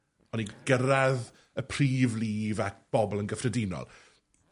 on' i gyrradd y prif lif at bobol yn gyffredinol